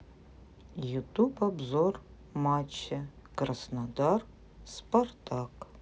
ютуб обзор матча краснодар спартак